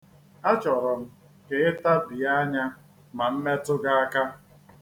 Achọrọ m ka ị tabie anya ma m metụ gị aka.